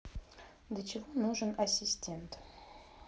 для чего нужен ассистент